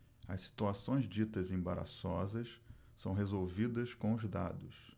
as situações ditas embaraçosas são resolvidas com os dados